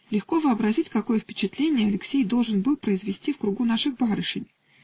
Легко вообразить, какое впечатление Алексей должен был произвести в кругу наших барышень.